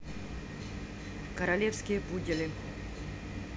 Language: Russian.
королевские пудели